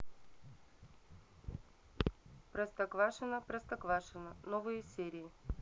простоквашино простоквашино новые серии